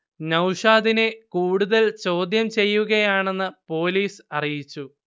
നൗഷാദിനെ കൂടുതൽ ചോദ്യം ചെയ്യുകയാണെന്ന് പൊലീസ് അറിയിച്ചു